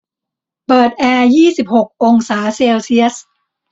เปิดแอร์ยี่สิบหกองศาเซลเซียส